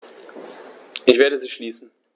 Ich werde sie schließen.